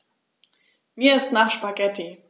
Mir ist nach Spaghetti.